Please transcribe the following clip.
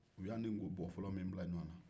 u y'a ni buwɔ fɔlɔ min bila ɲwan na